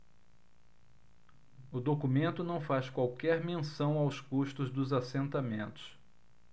o documento não faz qualquer menção aos custos dos assentamentos